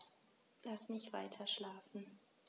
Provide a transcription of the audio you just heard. Lass mich weiterschlafen.